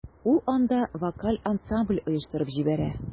Ул анда вокаль ансамбль оештырып җибәрә.